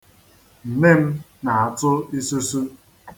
Nne m na-atụ isusu.